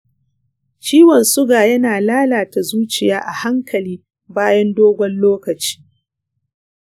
ciwon suga ya na lalata zuciya a hankali bayan dogon lokaci